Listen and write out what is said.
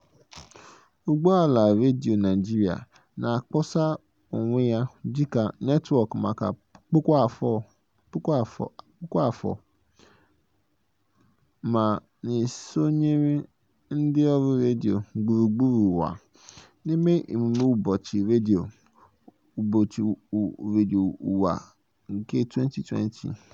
Ụgbọala Radio Nigeria na-akpọsa onwe ya dị ka "netwọk maka puku afọ," ma na-esonyere ndị ọrụ redio gburugburu ụwa n'ime emume Ụbọchị Redio Ụwa nke 2020.